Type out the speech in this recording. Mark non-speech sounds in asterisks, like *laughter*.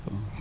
*hesitation*